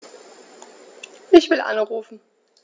Ich will anrufen.